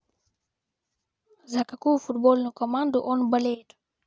за какую футбольную команду он болеет